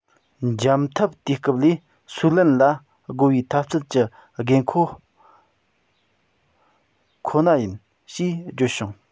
འཇམ འཐབ དུས སྐབས ལས སུའུ ལེན ལ རྒོལ བའི འཐབ རྩལ གྱི དགོས མཁོ ཁོ ན ཡིན ཞེས བརྗོད བྱུང